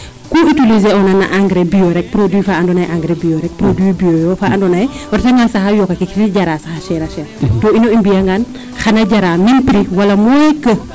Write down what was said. ku utiliser :gfra oona no engrais bio rek produit faa ando naye engrais boi yo produit bio yoo faa ando naye o reta ngaa saaxa yoqa ke keede njala sax a chere a chere to ino i mbiya ngaan xana jaraa meme prix moins que